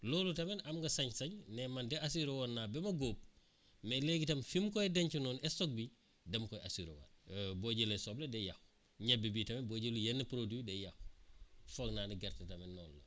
loolu tamit am nga sañ-sañ ne man de assuré woon naa ba ma góob mais léegi i tam fi mu koy denc noonu stock bi dama koy assurer waat boo jëlee soble day yàqu ñebe bi i tam boo jëlul yenn produits day yàqu foog naa ni gerte tamit noonu la